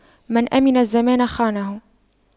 من أَمِنَ الزمان خانه